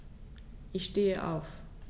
Ich stehe auf.